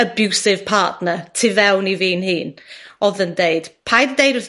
abusive partner tu fewn i fi'n hun, odd yn deud paid deud wrth